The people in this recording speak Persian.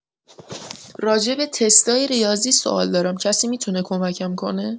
راجب تستای ریاضی سوال دارم کسی می‌تونه کمکم کنه؟